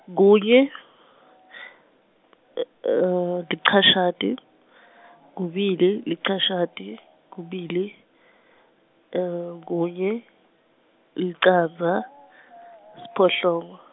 kunye , licashata , kubili licashata, kubili, kunye, licandza , siphohlongo.